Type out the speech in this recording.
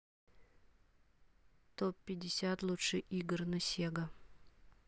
топ пятьдесят лучших игр на сега